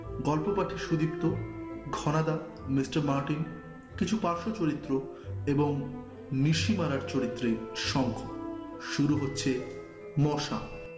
গল্প পাঠে Sudipta Ghanada Mister Martin কিছু পার্শ্ব চরিত্র এবং নিশিমারার চরিত্র শঙ্খ শুরু হচ্ছে মশা